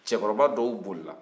cɛkɔrɔba dow bolila